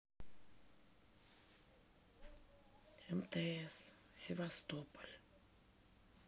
мтс севастополь